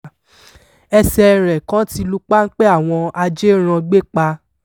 Ẹsẹ̀ẹ rẹ̀ kan ti lu páḿpẹ́ àwọn ajérangbépa.